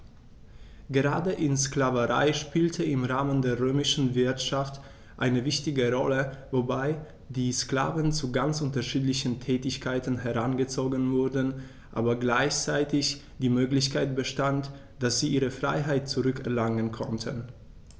Gerade die Sklaverei spielte im Rahmen der römischen Wirtschaft eine wichtige Rolle, wobei die Sklaven zu ganz unterschiedlichen Tätigkeiten herangezogen wurden, aber gleichzeitig die Möglichkeit bestand, dass sie ihre Freiheit zurück erlangen konnten.